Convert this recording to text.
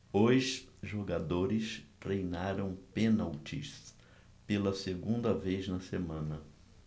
os jogadores treinaram pênaltis pela segunda vez na semana